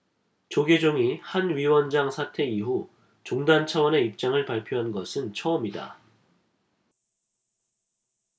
조계종이 한 위원장 사태 이후 종단 차원의 입장을 발표한 것은 처음이다